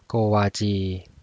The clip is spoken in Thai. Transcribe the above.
โกวาจี